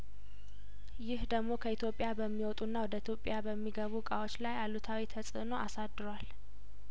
ይህ ደግሞ ከኢትዮጵያ በሚ ወጡና ወደ ኢትዮጵያ በሚገቡ እቃዎች ላይ አሉታዊ ተጽእኖ አሳድሯል